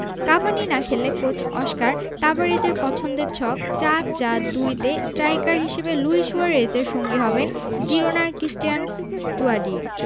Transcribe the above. Cavani না খেললে coach Oscar তাবারেজের পছন্দের ছক ৪ ৪ ২ তে স্ট্রাইকার হিসেবে লুই সুয়ারেজের সঙ্গী হবেন জিরোনার ক্রিস্টিয়ান স্টুয়ানি